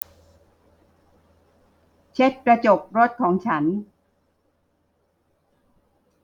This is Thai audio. เช็ดกระจกรถของฉัน